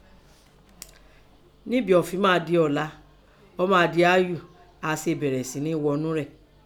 Níbìì ọ̀ fin máa di ọ̀la, ọ́ máa di aáyù, á sèè bẹ̀rẹ̀ síní ghọnú u rẹ̀.